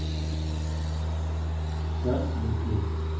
картинки